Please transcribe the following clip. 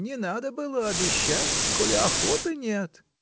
Не надо было обещать, коли охоты нет.